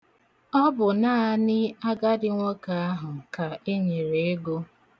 Ọ bụ naanị agadi nwoke ahụ ka enyere ego.